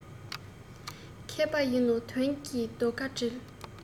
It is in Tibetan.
མཁས པ ཡིན ན དོན གྱི རྡོ ཁ སྒྲིལ